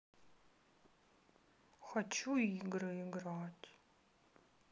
хочу игры играть